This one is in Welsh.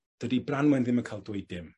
dydi Branwen ddim yn ca'l dweud dim.